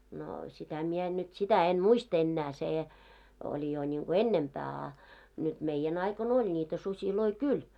no sitä minä en nyt sitä en muista enää se oli jo niin kuin ennempää a nyt <w id= aikoina oli niitä susia kyllä'